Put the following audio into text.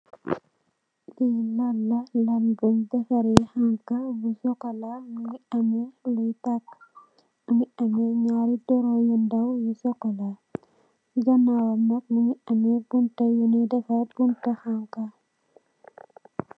Li laal la laal bung defareh xanxa bu cxocola mongi ame loi taka mongi ame naari doroo yu cxocola si ganawam nak mongi ame bunta yu nyui defar bunta xanxa.